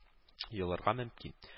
Елырга мөмкин